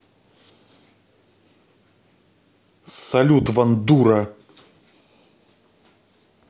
салют ван дура